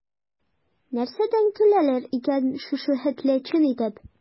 Нәрсәдән көләләр икән шушы хәтле чын итеп?